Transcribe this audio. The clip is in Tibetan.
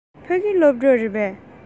ཕ གི སློབ ཕྲུག རེད པས